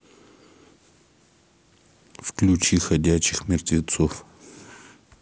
включи ходячих мертвецов